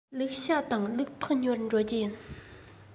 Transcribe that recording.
ལུག ཤ དང ལུག ལྤགས ཉོ བར འགྲོ རྒྱུ ཡིན